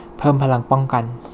เพิ่มพลังป้องกัน